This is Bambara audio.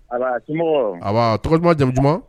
Tɔgɔ jamukuma